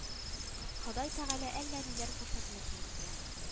Ходай тәгалә әллә ниләр күрсәтмәсен безгә